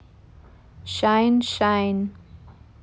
shinee shinee